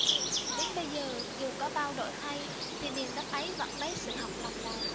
đến bây giờ dù có bao đổi thay thì miền đất ấy vẫn lấy sự học làm đầu